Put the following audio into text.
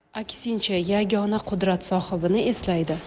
aksincha yagona qudrat sohibini eslaydi